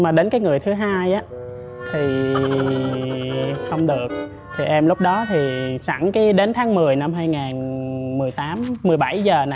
mà đến cái người thứ hai á thì không được thì em lúc đó thì sẵn cái đến tháng mười năm hai ngàn mười tám mười bảy giờ nè